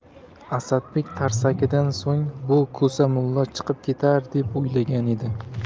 asadbek tarsakidan so'ng bu ko'samulla chiqib ketar deb o'ylagan edi